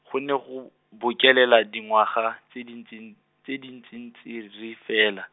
go ne go, bokelela dingwaga, tse ditsin- tse ditsintsiri fela.